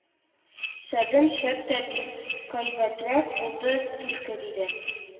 – шәбен шәп тә бит, кыйбатрак булды түлке, – диде